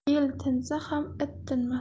el tinsa ham it tinmas